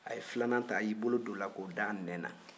a ye filanan ta a y'i bolo don o la k'o da a nɛ na